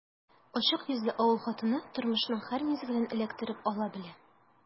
Ачык йөзле авыл хатыны тормышның һәр мизгелен эләктереп ала белә.